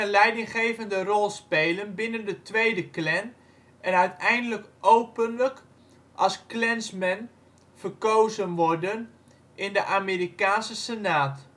leidinggevende rol spelen binnen de tweede Klan en uiteindelijk openlijk als Klansman verkozen worden in de Amerikaanse Senaat